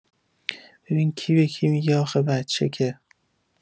ببین کی به کی می‌گه آخ بچه که